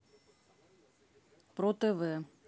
про тв